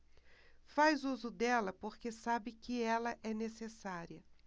faz uso dela porque sabe que ela é necessária